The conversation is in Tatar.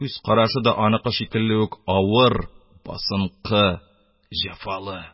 Күз карашы да аныкы шикелле үк авыр, басынкы, җәфалы.